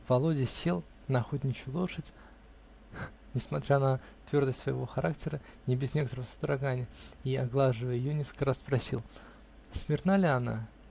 Володя сел на "охотничью лошадь", несмотря на твердость своего характера, не без некоторого содрогания и, оглаживая ее, несколько раз спросил: -- Смирна ли она?